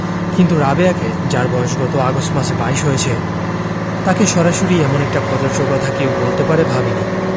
কিন্তু রাবেয়াকে যার বয়স গত আগস্ট মাসে বাইশ হয়েছে তাকে সরাসরি এমন একটি কদৰ্য কথা কেউ বলতে পারে ভাবিনি